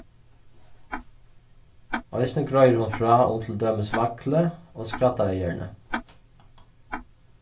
eisini greiðir hon frá um til dømis vaglið og skraddarahjørnið